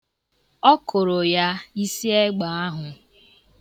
Ọ kụrụ ya isi egbe ahụ.